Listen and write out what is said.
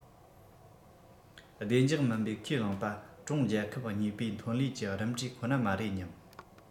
བདེ འཇགས མིན པའི ཁས བླངས པ ཀྲུང རྒྱལ ཁབ གཉིས པོའི ཐོན ལས ཀྱི རིམ གྲས ཁོ ན མ རེད སྙམ